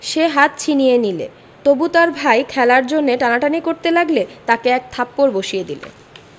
সে হাত ছিনিয়ে নিলে তবু তার ভাই খেলার জন্যে তবু তার ভাই খেলার জন্যে টানাটানি করতে লাগলে তাকে এক থাপ্পড় বসিয়ে দিলে